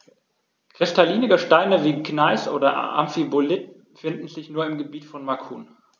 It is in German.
Kristalline Gesteine wie Gneis oder Amphibolit finden sich nur im Gebiet von Macun.